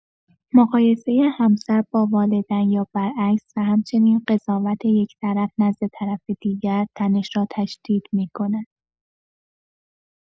مقایسه همسر با والدین یا برعکس، و همچنین قضاوت یک‌طرف نزد طرف دیگر، تنش را تشدید می‌کند.